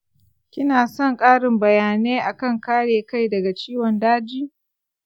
kinason karin bayanai akan kare kai daga ciwon daji?